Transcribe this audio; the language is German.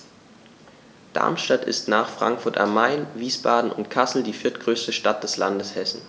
Darmstadt ist nach Frankfurt am Main, Wiesbaden und Kassel die viertgrößte Stadt des Landes Hessen